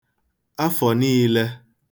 afọ̀ niīlē